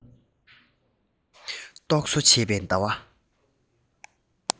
རྟོག བཟོ བྱས པའི ཟླ བ